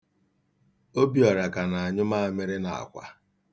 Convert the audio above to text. Obiọra ka na-anyụ maamịrị n'akwa.